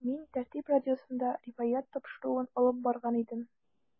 “мин “тәртип” радиосында “риваять” тапшыруын алып барган идем.